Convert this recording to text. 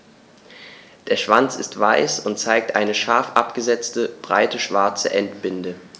Der Schwanz ist weiß und zeigt eine scharf abgesetzte, breite schwarze Endbinde.